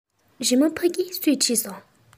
རི མོ ཕ གི སུས བྲིས སོང